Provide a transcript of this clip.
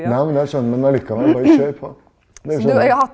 nei men jeg men likevel bare kjør på du gjør som du.